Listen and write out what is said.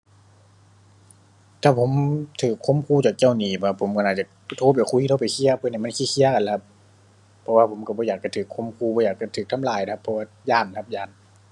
ถ้าผมถูกข่มขู่จากเจ้าหนี้บ่ครับ ผมก็น่าจะโทรไปคุยโทรไปเคลียร์กับเพิ่น ให้มันเคลียร์เคลียร์กันล่ะครับ เพราะว่าผมถูกบ่อยากไปถูกข่มขู่ บ่อยากจะถูกทำร้ายน่ะครับ เพราะว่าย้านครับ ย้าน